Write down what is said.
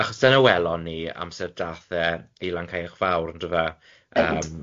Ie, achos dyna welon ni amser dath e i Lancaiach Fawr yndyfe? yym.